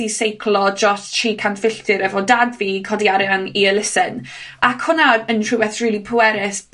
i seiclo dros tri cant filltir efo dad fi i codi arian i elusen, ac hwnna yn rhwbeth rili pwerus